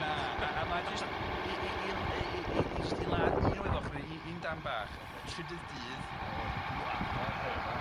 Na a a ma' jyst i i i l- yy i i i jyst i ladd un o'i foch u- un darn bach y y trydydd dydd yy o'r ymladdfa, yr helfa